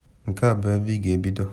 Nke a bụ ebe ị ga-ebido.